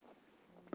ammo bu bola ancha